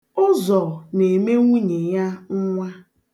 Ụzọ na-eme nwunye ya nnwa.